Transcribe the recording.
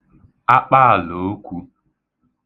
akpaàlòokwū